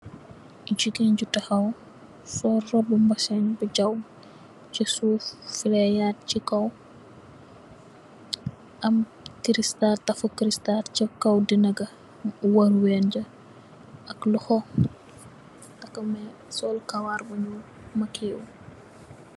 Jigeen bu tawax, sol robbu mbesseng bu jaw, si suuf, am kiristal ci kow dënnë ga. Wang ween ja, ak loxo, ak mees, kawar bu ñuul, makkiyu.